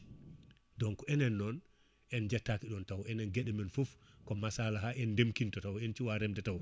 donc enen noon en jettaki ɗon taw enen gueɗe men foof ko masalaha en ndemkinto taw en cuwa remde taw